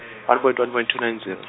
one point one point two nine zero.